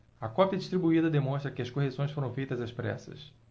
a cópia distribuída demonstra que as correções foram feitas às pressas